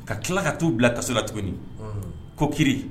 Ka tila ka t'u bila kaso la tuguni ko kiri